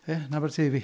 Ie, yn Aberteifi.